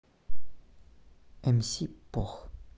мс пох